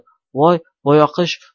voy boyaqish